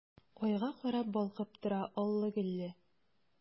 Айга карап балкып тора аллы-гөлле!